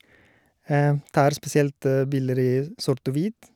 Tar spesielt bilder i sort og hvit.